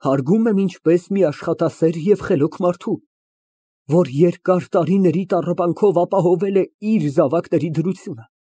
Հարգում եմ ինչպես մի աշխատասեր և խելոք մարդու, որ երկար տարիների տառապանքով ապահովել է իր զավակների դրությունը։